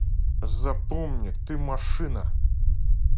запомни ты машина